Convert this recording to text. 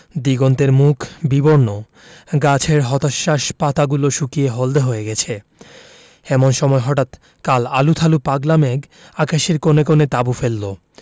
দিগন্তের মুখ বিবর্ণ গাছের হতাশ্বাস পাতাগুলো শুকিয়ে হলদে হয়ে গেছে এমন সময় হঠাৎ কাল আলুথালু পাগলা মেঘ আকাশের কোণে কোণে তাঁবু ফেললো